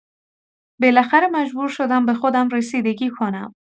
بالاخره مجبور شدم به خودم رسیدگی کنم.